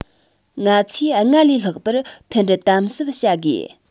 ང ཚོས སྔར ལས ལྷག པར མཐུན སྒྲིལ དམ ཟབ བྱ དགོས